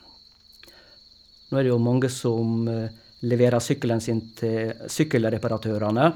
Nå er det jo mange som leverer sykkelen sin til sykkelreparatørene.